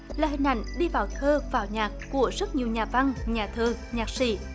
là hình ảnh đi vào thơ vào nhạc của rất nhiều nhà văn nhà thơ nhạc sĩ